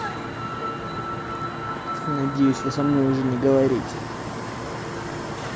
надеюсь вы со мной уже не говорите